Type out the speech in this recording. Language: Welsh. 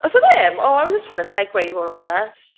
Oes 'na ddim? Oh, I was just trying to segue, i fod yn onest.